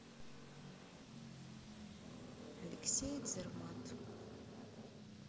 алексей дзермат